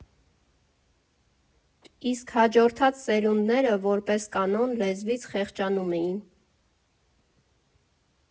Իսկ հաջորդած սերունդները, որպես կանոն, լեզվից խեղճանում էին։